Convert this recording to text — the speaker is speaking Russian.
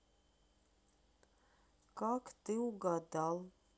как ты угадал